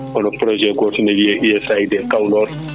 hono projet goto ne wiye USAID Caolor